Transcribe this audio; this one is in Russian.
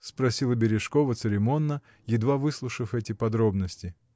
— спросила Бережкова церемонно, едва выслушав эти подробности.